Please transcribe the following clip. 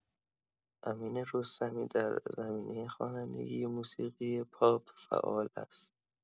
امین رستمی در زمینه خوانندگی موسیقی پاپ فعال است.